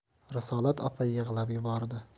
risolat opa yig'lab yubordi